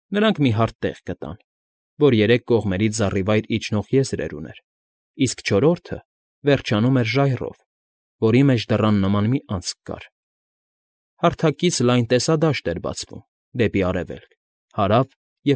Նրանք մի հարթ տեղ գան, որ երեք կողմերից զառիվայր իջնող եզրեր ուներ, իսկ չորրորդը վերջանում էր ժայռով, որի մեջ դռան նման մի անցք կար։ հարթակից լայն տեսադաշտ էր բացվում դեպի Արևելք, Հարավ և։